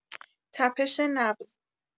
طپش نبض